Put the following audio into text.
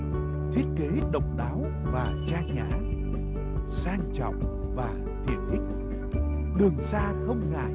thiết kế độc đáo và trang nhã sang trọng và tiện ích đường xa không ngại